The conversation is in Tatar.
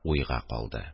Уйга калды